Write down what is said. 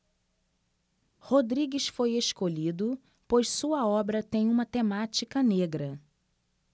rodrigues foi escolhido pois sua obra tem uma temática negra